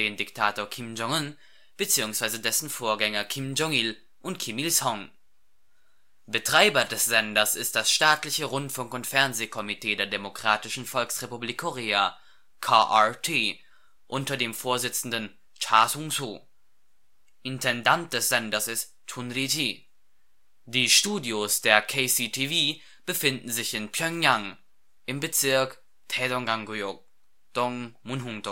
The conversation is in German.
Diktator Kim Jong-un bzw. dessen Vorgänger Kim Jong-il und Kim Il-sung. Betreiber des Senders ist das staatliche Rundfunk - und Fernsehkomitee der Demokratischen Volksrepublik Korea (KRT) unter dem Vorsitzenden Cha Sung-su. Intendant des Senders ist Chun Li-ji. Die Studios der KCTV befinden sich in Pjöngjang, im Bezirk Taedonggang-guyŏk (Dong Munhung-dong